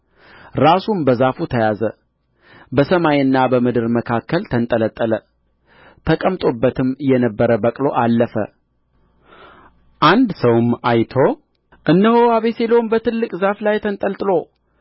ራሱም በዛፉ ተያዘ በሰማይና በምድር መካከል ተንጠለጠለ ተቀምጦበትም የነበረ በቅሎ አለፈ አንድ ሰውም አይቶ እነሆ አቤሴሎም በትልቅ ዛፍ ላይ ተንጠልጥሎ